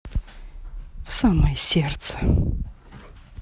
в самое сердце